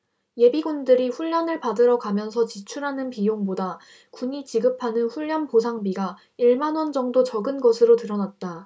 예비군들이 훈련을 받으러 가면서 지출하는 비용보다 군이 지급하는 훈련 보상비가 일 만원 정도 적은 것으로 드러났다